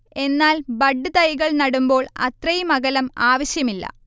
എന്നാൽ ബഡ്ഡ് തൈകൾ നടുമ്പോൾ അത്രയും അകലം ആവശ്യമില്ല